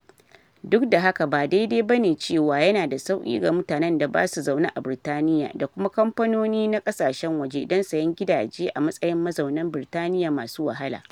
Duk da haka, ba daidai ba ne cewa yana da sauƙi ga mutanen da ba su zaune a Birtaniya, da kuma kamfanoni na kasashen waje, don sayen gidaje a matsayin mazaunan Birtaniya masu wahala.